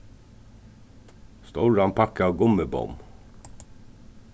stóran pakka av gummibomm